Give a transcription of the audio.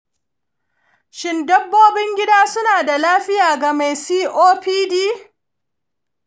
shin dabbobin gida suna da lafiya ga mai copd?